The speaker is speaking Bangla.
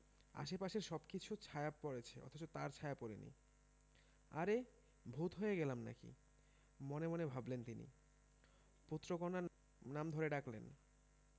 আশপাশের সবকিছুর ছায়া পড়েছে অথচ তাঁর ছায়া পড়েনি আরে ভূত হয়ে গেলাম নাকি মনে মনে ভাবলেন তিনি পুত্র কন্যার নাম ধরে ডাকলেন